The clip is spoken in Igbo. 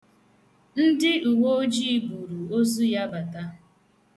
Ndị uweojii buru ozu ya bata.